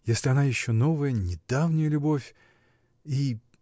если она еще новая, недавняя любовь — и.